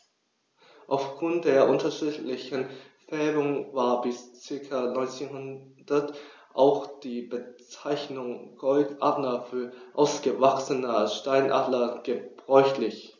Auf Grund der unterschiedlichen Färbung war bis ca. 1900 auch die Bezeichnung Goldadler für ausgewachsene Steinadler gebräuchlich.